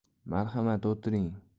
marhamat o'tiring